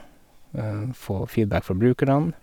Få feedback fra brukerne.